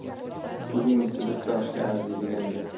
bugungisi bitta oshga arziydigan gap